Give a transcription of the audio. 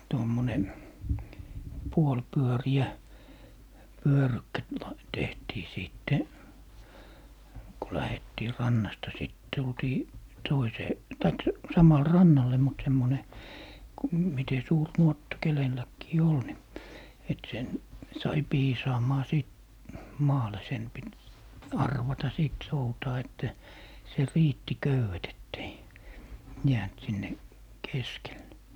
tuommoinen puolipyöreä pyörykkä -- tehtiin sitten kun lähdettiin rannasta sitten tultiin toiseen tai samalle rannalle mutta semmoinen kun miten suuri nuotta kenelläkin oli niin että sen sai piisaamaan sitten maalle sen piti arvata sitten soutaa että se riitti köydet että ei jäänyt sinne keskelle